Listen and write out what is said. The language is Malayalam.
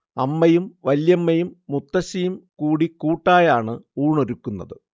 അമ്മയും വല്യമ്മയും മുത്തശ്ശിയും കൂടി കൂട്ടായാണ് ഊണൊരുക്കുന്നത്